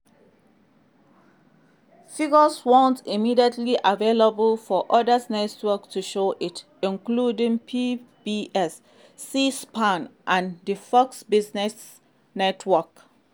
Figures weren't immediately available for other networks that showed it, including PBS, C-SPAN and the Fox Business Network.